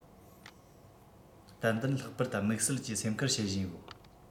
ཏན ཏན ལྷག པར དུ དམིགས བསལ གྱིས སེམས ཁུར བྱེད བཞིན ཡོད